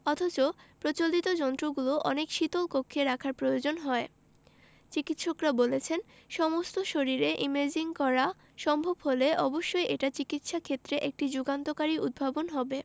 অথচ প্রচলিত যন্ত্রগুলো অনেক শীতল কক্ষে রাখার প্রয়োজন হয় চিকিত্সকরা বলছেন সমস্ত শরীরের ইমেজিং করা সম্ভব হলে অবশ্যই এটা চিকিত্সাক্ষেত্রে একটি যুগান্তকারী উদ্ভাবন হবে